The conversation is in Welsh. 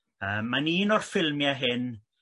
Yy mae'n un o'r ffilmie hyn